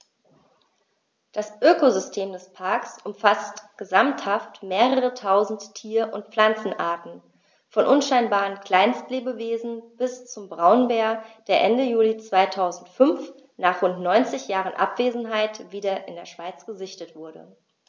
Das Ökosystem des Parks umfasst gesamthaft mehrere tausend Tier- und Pflanzenarten, von unscheinbaren Kleinstlebewesen bis zum Braunbär, der Ende Juli 2005, nach rund 90 Jahren Abwesenheit, wieder in der Schweiz gesichtet wurde.